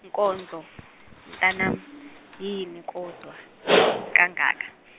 Nkonzo mntanami yini kodwa kangaka?